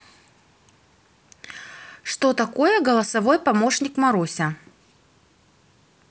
что такое голосовой помощник маруся